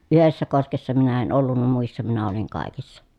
yhdessä koskessa minä en ollut muissa minä olin kaikissa